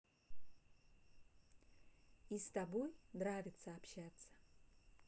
и с тобой нравится общаться